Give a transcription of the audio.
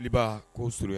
Jeliba k'o so